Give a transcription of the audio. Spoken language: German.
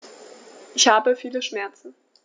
Ich habe viele Schmerzen.